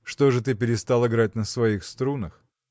– Что ж ты перестал играть на своих струнах?